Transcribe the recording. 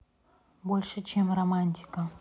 больше чем романтика